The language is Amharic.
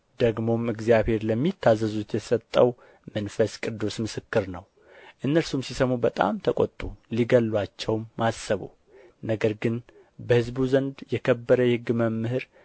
ደግሞም እግዚአብሔር ለሚታዘዙት የሰጠው መንፈስ ቅዱስ ምስክር ነው እነርሱም ሲሰሙ በጣም ተቈጡ ሊገድሉአቸውም አሰቡ ነገር ግን በሕዝብ ሁሉ ዘንድ የከበረ የሕግ መምህር